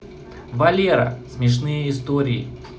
валера смешные истории